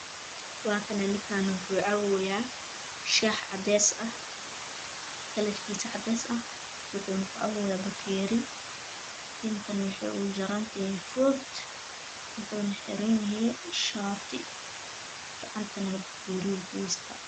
Waa kanaa ninkaana waxuu cabooya shax cadeys ah kalar kisa cadeysa cadeysa ah waxo ku cabooya bakeyri tintana waney uu jaraan tahay food waxona xeraan yahay shaati gacantana gulus ah